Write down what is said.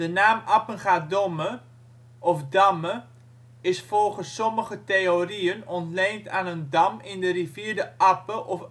naam Appengadomme (1225) of Damme (1235) is volgens sommige theorieën ontleend aan een dam in de rivier de Appe of